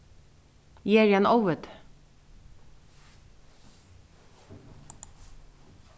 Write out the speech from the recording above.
eg eri ein óviti